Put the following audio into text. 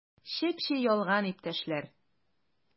Чеп-чи ялган, иптәшләр!